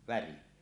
värin